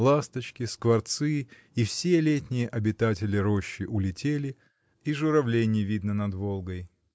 Ласточки, скворцы и все летние обитатели рощи улетели, и журавлей не видно над Волгой.